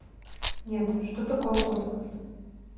нет что такое космос